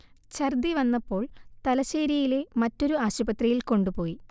ഛര്ദ്ദി വന്നപ്പോൾ തലശേരിയിലെ മറ്റൊരു ആശുപത്രിയിൽ കൊണ്ടുപോയി